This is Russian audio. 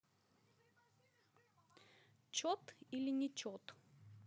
чет или нечет